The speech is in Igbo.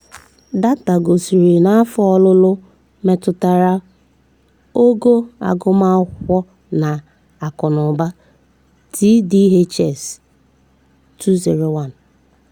Data gosiri na afọ ọlụlụ metụtara ógó agụmakwụkwọ na akụnaụba (TDHS 201).